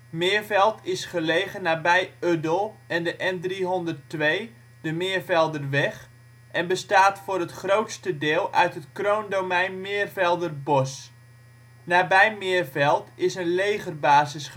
Meerveld is gelegen nabij Uddel en de N302 (Meervelderweg) en bestaat voor het grootste deel uit het Kroondomein Meervelder Bos. Nabij Meerveld is een legerbasis